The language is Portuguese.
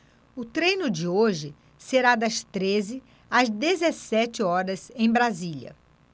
o treino de hoje será das treze às dezessete horas em brasília